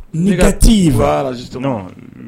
Nɛgɛti fara